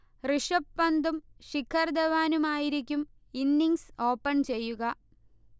ഋഷഭ് പന്തും ശിഖർ ധവാനുമായിരിക്കും innings open ചെയ്യുക